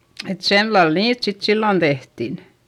että sillä lailla niitä sitten silloin tehtiin